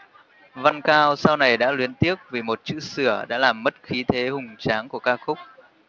văn cao sau này đã luyến tiếc vì một số chữ sửa đã làm mất khí thế hùng tráng của ca khúc